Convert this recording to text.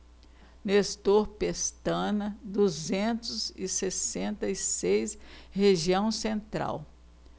nestor pestana duzentos e sessenta e seis região central